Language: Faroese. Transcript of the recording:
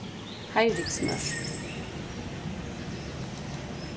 heiðriksmørk